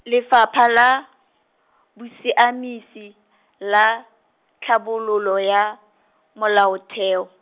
Lefapha la, Bosiamisi, la, Tlhabololo ya, Molaotheo.